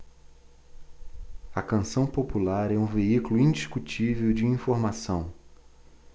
a canção popular é um veículo indiscutível de informação